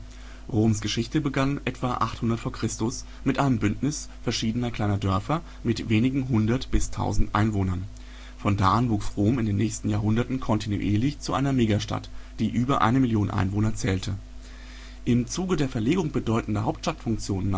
Roms Geschichte begann etwa 800 v. Chr. mit einem Bündnis verschiedener kleiner Dörfer mit wenigen hundert bis tausend Einwohnern. Von da an wuchs Rom in den nächsten Jahrhunderten kontinuierlich zu einer Megastadt, die über eine Million Einwohner zählte. Im Zuge der Verlegung bedeutender Hauptstadtfunktionen